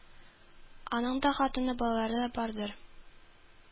Аның да хатыны, балалары бардыр